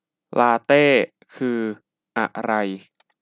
ลาเต้คืออะไร